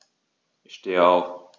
Ich stehe auf.